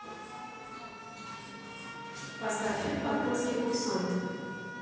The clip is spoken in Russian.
поставь фильм подольские курсанты